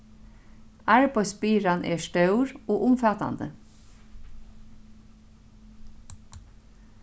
arbeiðsbyrðan er stór og umfatandi